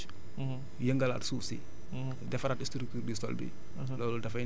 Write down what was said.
donc def sa benn labour bu oyof maanaam offstage yëngalaat suuf si